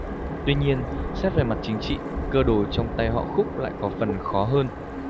tuy nhiên xét về mặt chính trị cơ đồ trong tay họ khúc lại có phần khó hơn